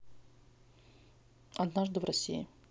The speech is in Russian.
однажды в россии